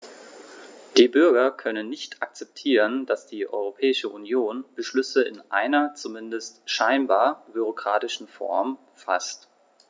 Die Bürger können nicht akzeptieren, dass die Europäische Union Beschlüsse in einer, zumindest scheinbar, bürokratischen Form faßt.